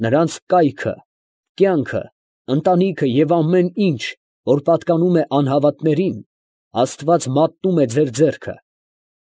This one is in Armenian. Նրանց կայքը, կյանքը, ընտանիքը և ամեն ինչ, որ պատկանում է անհավատներին, աստված մատնում է ձեր ձեռքը։